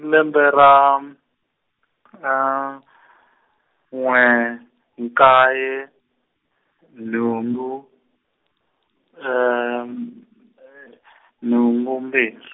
lembe ra , n'we, nkaye, nhungu, , nhungu mbirh-.